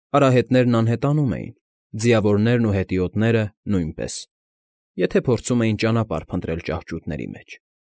Արահետներն անհետանում էին, ձիավորներն ու հետիոտները՝ նույնպես, եթե փորձում էին ճանապարհ փնտրել ճահճուտների մեջ։